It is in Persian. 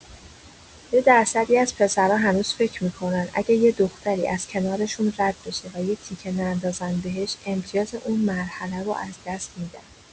یه درصدی از پسرا هنوز فکر می‌کنن اگه یه دختر از کنارشون رد بشه و یه تیکه نندازن بهش، امتیاز اون مرحله رو از دست می‌دن!